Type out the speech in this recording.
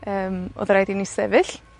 Yym, odd raid i .i sefyll.